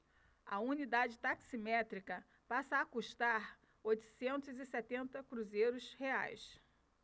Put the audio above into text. a unidade taximétrica passa a custar oitocentos e setenta cruzeiros reais